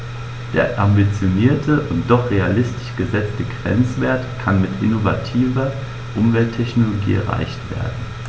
Der ambitionierte und doch realistisch gesetzte Grenzwert kann mit innovativer Umwelttechnologie erreicht werden.